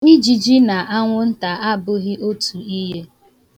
Ijiji na anwụnta abụghị otu ihe.